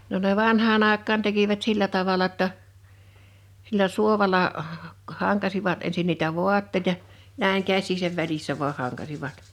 no ne vanhaan aikaan tekivät sillä tavalla että sillä suovalla hankasivat ensin niitä vaatteita näin käsiensä välissä vain hankasivat